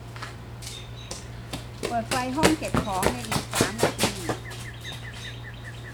เปิดไฟห้องเก็บของในอีกสามนาที